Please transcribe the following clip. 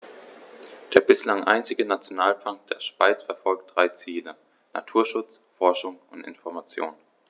Der bislang einzige Nationalpark der Schweiz verfolgt drei Ziele: Naturschutz, Forschung und Information.